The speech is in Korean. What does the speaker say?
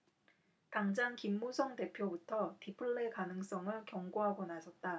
당장 김무성 대표부터 디플레 가능성을 경고하고 나섰다